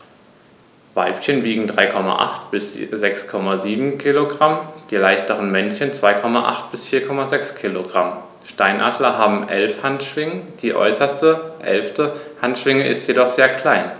Weibchen wiegen 3,8 bis 6,7 kg, die leichteren Männchen 2,8 bis 4,6 kg. Steinadler haben 11 Handschwingen, die äußerste (11.) Handschwinge ist jedoch sehr klein.